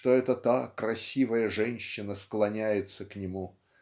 что это та красивая женщина склоняется к нему